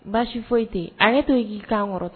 Baasi foyi tɛ yen hakɛto i k'i kan kɔrɔta